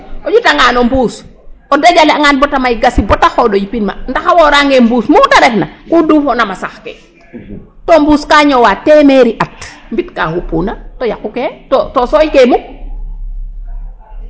O ƴutanga no mbuus o dajale'angan bata may gasin ba ta xooɗ o yipin ma ndax a woorange mbuus nu t refna ku duufoona ma saxkee to mbuus ka ñoowa teemeeri at mbit ka xupuna to yaqukee o sooykee mukk.